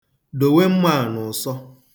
Dowe mma a n'ụsọ.